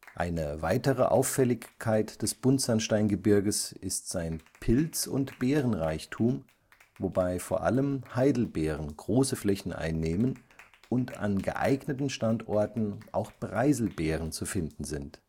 Eine weitere Auffälligkeit des Buntsandsteingebirges ist sein Pilz - und Beerenreichtum, wobei vor allem Heidelbeeren große Flächen einnehmen und an geeigneten Standorten auch Preiselbeeren zu finden sind